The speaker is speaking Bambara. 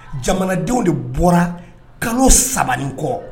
Jamanadenw de bɔra kalo saba kɔ